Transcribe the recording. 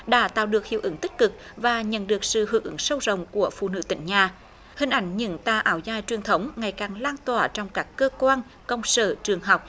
đã tạo được hiệu ứng tích cực và nhận được sự hưởng ứng sâu rộng của phụ nữ tỉnh nhà hình ảnh những tà áo dài truyền thống ngày càng lan tỏa trong các cơ quan công sở trường học